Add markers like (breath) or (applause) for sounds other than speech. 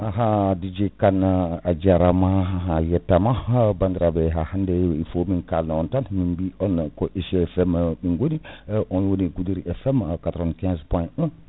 (hesitation) (hesitation) Dj Kane a jaarama a yettama bandiraɓe ha hande il faut min kala en tan min bi on ko e GFM min gooni (breath) (hesitation) on woni Goudira FM 95.1